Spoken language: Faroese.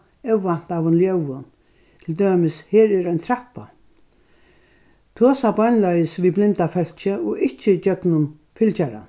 óvæntaðum ljóðum til dømis her er ein trappa tosa beinleiðis við blinda fólki og ikki gjøgnum fylgjaran